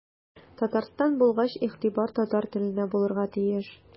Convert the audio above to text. Татарстан булгач игътибар татар теленә булырга тиеш.